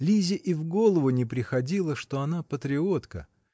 Лизе и в голову не приходило, что она патриотка